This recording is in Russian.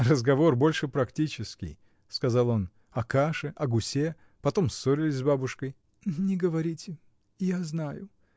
— Разговор больше практический, — сказал он, — о каше, о гусе, потом ссорились с бабушкой. — Не говорите, я знаю.